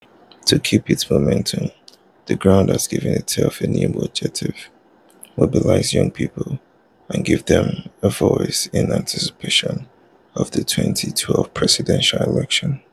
To keep its momentum, the group has given itself a new objective: mobilise young people and give them a voice in anticipation of the 2012 presidential election.